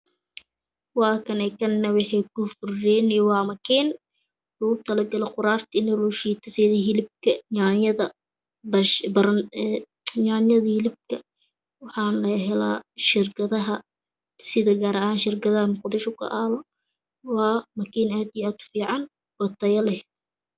Halkan waxaa yalo makinad oo qudarta sida hiliib iyo yayad iyo basal